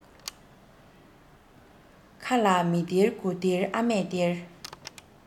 ཁ ལ མི སྟེར དགུ སྟེར ཨ མས སྟེར